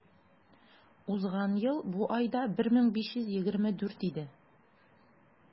Узган ел бу айда 1524 иде.